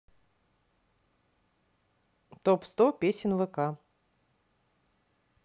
топ сто песен вк